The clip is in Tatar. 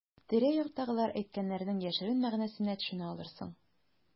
Тирә-яктагылар әйткәннәрнең яшерен мәгънәсенә төшенә алырсың.